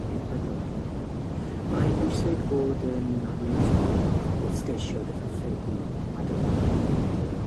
Rhif pedwar. Mae'n bwysig bod yn amyneddgar wrth geisio gyfathrebu â dynion gofod